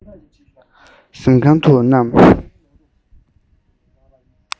གཟིམ ཁང དུ བསྣམས